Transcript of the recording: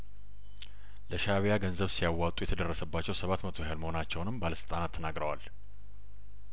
ለሻእቢያገንዘብ ሲያዋጡ የተደረሰባቸው ሰባት መቶ ያህል መሆ ናቸውንም ባለስልጣናት ተናግረዋል